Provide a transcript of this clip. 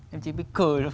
em chỉ biết cười thôi